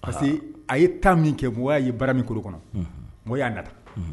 Parce que a ye ta min kɛ mɔgɔ'a ye bara min kolo kɔnɔ mɔgɔ y' a na